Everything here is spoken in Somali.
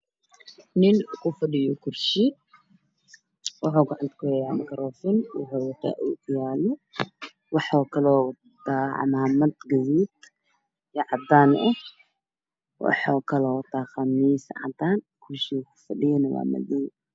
Waa nin meel fadhiyay oo sheekh ah oo khamiis caddaan ku fadhiya kursi madow aamada ayuu saar